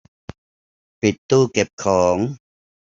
ปิดตู้เก็บของ